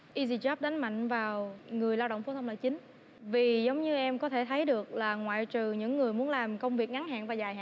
i dì dóp đánh mạnh vào người lao động phổ thông là chính vì giống như em có thể thấy được là ngoại trừ những người muốn làm công việc ngắn hạn và dài hạn